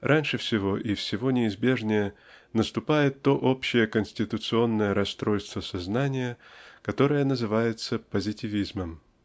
Раньше всего и всего неизбежнее наступает то общее конституционное расстройство сознания которое называется позитивизмом.